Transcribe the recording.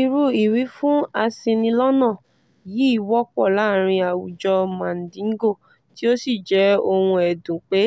Irú ìwífún aṣinilọ́nà yìí wọ́pọ̀ láàárín àwùjọ Mandingo tí ó sì jẹ́ ohun ẹ̀dùn pé,